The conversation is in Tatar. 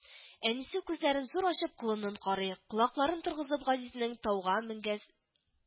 Әнисе күзләрен зур ачып колынын карый, колакларын торгызып, газизенең тауга менгәс